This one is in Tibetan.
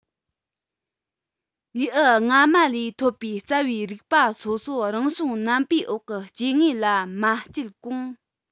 ལེའུ སྔ མ ལས ཐོབ པའི རྩ བའི རིགས པ སོ སོ རང བྱུང རྣམ པའི འོག གི སྐྱེ དངོས ལ མ སྤྱད གོང